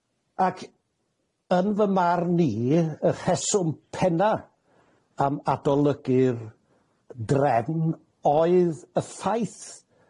Ac yn fy marn i y rheswm penna am adolygu'r drefn oedd y ffaith